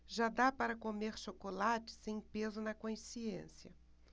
já dá para comer chocolate sem peso na consciência